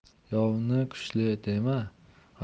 yovni kuchli dema